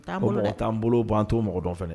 Ko taa n bolo b'an to mɔgɔ dɔn fɛ dɛ